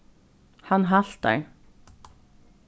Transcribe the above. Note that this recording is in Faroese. hann haltar